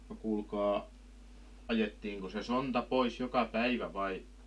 no kuulkaa ajettiinko se sonta pois joka päivä vai